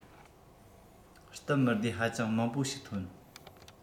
སྟབས མི བདེ ཧ ཅང མང པོ ཞིག ཐོན